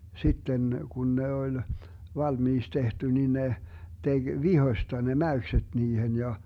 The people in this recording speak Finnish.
sitten kun ne oli valmiiksi tehty niin ne teki vihosta ne mäykset niihin ja